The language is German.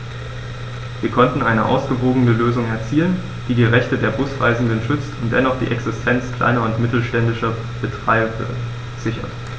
Wir konnten eine ausgewogene Lösung erzielen, die die Rechte der Busreisenden schützt und dennoch die Existenz kleiner und mittelständischer Betreiber sichert.